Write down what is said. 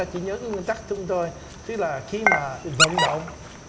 chỉ nhớ những nguyên tắc chung thôi tức là khi mà vận động